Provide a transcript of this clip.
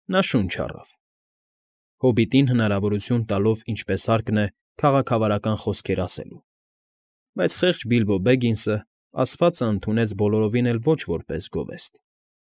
Նա շունչ առավ, հոբիտին հնարավորություն տալով ինչպես հարկն է քաղաքավարական խոսքեր ասելու, բայց խեղճ Բիլբո Բեգինսը ասվածն ընդունեց բոլորովին էլ ոչ որպես գովեստ։